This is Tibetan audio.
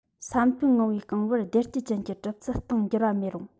ས མཐོའི ངང པའི རྐང བར སྡེར སྐྱི ཅན དེ གྲུབ ཚུལ སྟེང འགྱུར བ མེད རུང